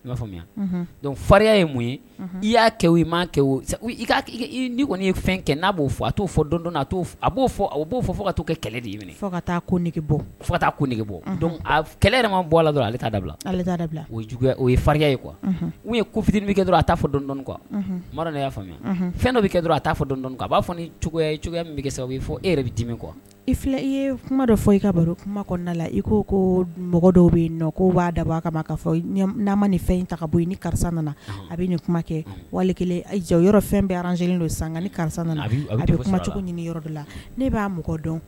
I'a faamuyac fariya ye mun ye i y'a kɛ ma ke o ni kɔni ye fɛn kɛ n' b'o fɔ a t' fɔ dɔn a b'o fɔ b'o fɔ fo ka to kɛ kɛlɛ de ɲini fo ka taa koge bɔ fo ko nege bɔ kɛlɛ bɔ don ale taa da ale da o o ye faya ye kuwa n ye kufitinin bɛkɛ don a' fɔ dɔn qudɔ y'a faamuya fɛn dɔ bɛ kɛ don a' fɔ dɔn a b'a fɔ cogoya min bɛ sa' fɔ e yɛrɛ bɛ dimi kuwa i i ye kuma dɔ fɔ i ka kuma kɔnɔna la i ko ko mɔgɔ dɔw bɛ nɔn ko b'a da bɔ a ka fɔ'a ma ni fɛn in ta ka bɔ i ni karisa nana a bɛ kuma kɛ wali kelen ja yɔrɔ fɛn bɛ zalilen don sanga karisa nana a a bɛ kumacogo ɲini yɔrɔ de la ne b'a mɔgɔ dɔn